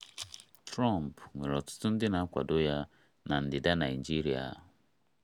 Trump nwere ọtụtụ ndị na-akwado ya na ndịda Naịjirịa